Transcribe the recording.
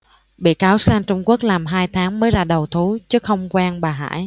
bị cáo sang trung quốc làm hai tháng mới ra đầu thú chứ không quen bà hải